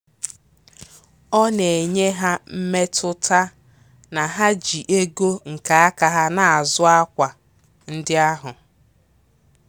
Ọ na-enye ha mmetụta na ha ji ego nke aka ha na-azụ akwa ndị ahụ.